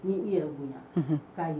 Ni ye i yɛrɛ bonya ka